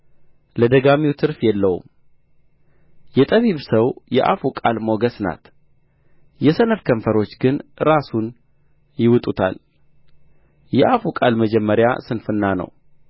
ለደጋሚው ትርፍ የለውም የጠቢብ ሰው የአፉ ቃል ሞገስ ናት የሰነፍ ከንፈሮች ግን ራሱን ይውጡታል የአፉ ቃል መጀመሪያ ስንፍና ነው